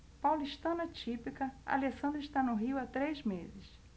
paulistana típica alessandra está no rio há três meses